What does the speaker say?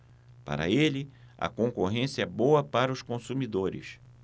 para ele a concorrência é boa para os consumidores